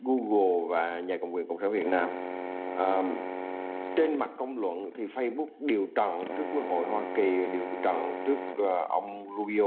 gu gồ và nhà cầm quyền cộng sản việt nam nam trên mặt công luận thì phây búc điều trần trước quốc hội hoa kì điều trần trước gờ ông ru bi